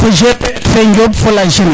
fo GPF fe Njob fo la jeunesse